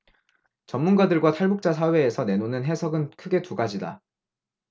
전문가들과 탈북자 사회에서 내놓는 해석은 크게 두 가지다